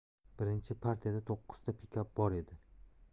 birinchi partiyada to'qqizta pikap bor edi